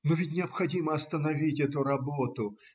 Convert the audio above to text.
- Но ведь необходимо остановить эту работу.